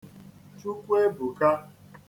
Chukwuebùka